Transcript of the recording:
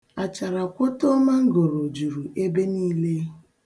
Acharakwoto mangoro juru ebe niile.